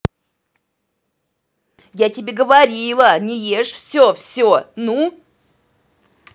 я тебе говорила не ешь все все ну